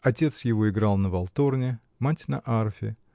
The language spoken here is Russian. Отец его играл на валторне, мать на арфе